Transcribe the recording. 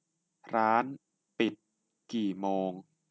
ร้านปิดกี่โมง